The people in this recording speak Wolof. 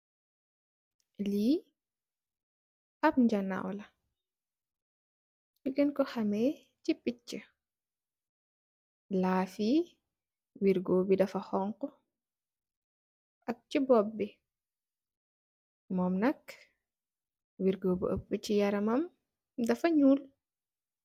Lee ab nyanow la nugenku hameh se peche laffye werrgo be dafa hauhu ak se bobbe mum nak werrgo bu opu se yaramam dafa njol.